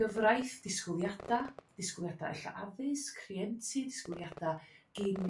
gyfraith disgwyliada' disgwyliada' ella addysg rhientyd disgwyliada' gin